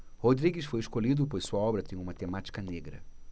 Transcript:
rodrigues foi escolhido pois sua obra tem uma temática negra